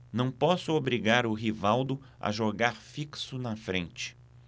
não posso obrigar o rivaldo a jogar fixo na frente